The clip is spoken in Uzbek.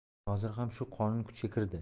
hozir ham shu qonun kuchga kirdi